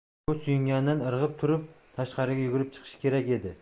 u suyunganidan irg'ib turib tashqariga yugurib chiqishi kerak edi